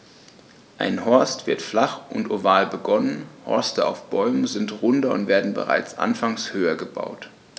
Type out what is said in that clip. Ein Horst wird flach und oval begonnen, Horste auf Bäumen sind runder und werden bereits anfangs höher gebaut.